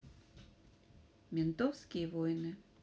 ментовские войны